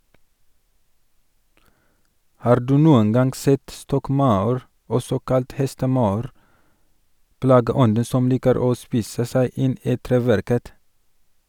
Har du noen gang sett stokkmaur, også kalt hestemaur, plageånden som liker å spise seg inn i treverket?